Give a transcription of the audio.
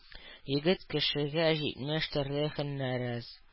Егет кешегә җитмеш төрле һөнәр аз.